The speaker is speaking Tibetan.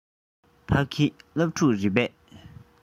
ཕ གི སློབ ཕྲུག རེད པས